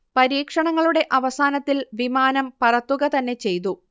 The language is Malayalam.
പരീക്ഷണങ്ങളുടെ അവസാനത്തിൽ വിമാനം പറത്തുകതന്നെ ചെയ്തു